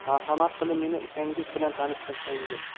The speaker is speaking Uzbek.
marhamat qilib meni ukanggiz bilan tanishtirsangiz